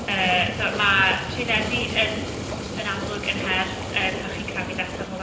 Yy so ma' trwyddedu yn yn amlwg yn her yy pan chi'n crafu data fel...